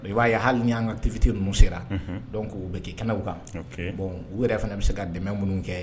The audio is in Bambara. I b'a ye ali ni an ka activité ninnu sera donc u bɛ kɛ kɛnɛw kan, bon u yɛrɛ fana bɛ se ka dɛmɛ minnu kɛ